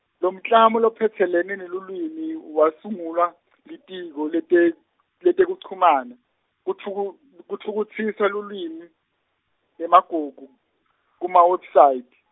lomklamo lophatselene nelulwimi wasungulwa, Litiko lete, letekuchumana kutfuku, kutfutfukisa lulwimi emagugu kuma-website.